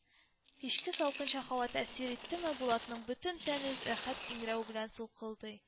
Кичке салкынча һава тәэсир иттеме, Булатның бөтен тәне рәхәт иңрәү белән сулкылдый